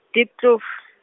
Diepkloof .